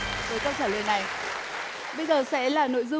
với câu trả lời này bây giờ sẽ là nội dung